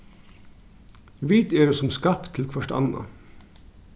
vit eru sum skapt til hvørt annað